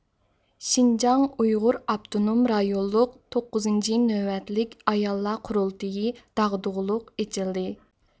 شىنجاڭ ئۇيغۇر ئاپتونوم رايونلۇق توققۇزىنچى نۆۋەتلىك ئاياللار قۇرۇلتىيى داغدۇغىلىق ئېچىلدى